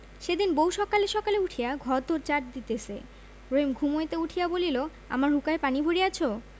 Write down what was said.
সেদিন বউ সকালে সকালে উঠিয়া ঘর দোর ঝাট দিতেছে রহিম ঘুম হইতে উঠিয়া বলিল আমার হুঁকায় পানি ভরিয়াছ